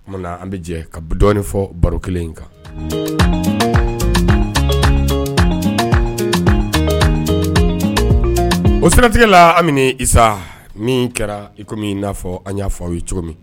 O tuma an bɛ jɛ ka dɔɔni fɔ baro kelen in kan o siratigɛ lasa ni kɛra i i na fɔ an y'a fɔ ye cogo min